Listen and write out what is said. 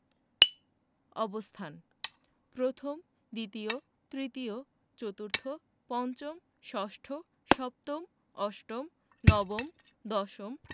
অবস্থান প্রথম দ্বিতীয় তৃতীয় চতুর্থ পঞ্চম ষষ্ঠ সপ্তম অষ্টম নবম দশম